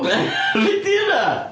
Be 'di hynna?